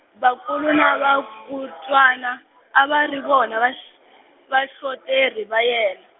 Vukulu na va Kutwala, a va ri vona va x-, vahloteri- va yena.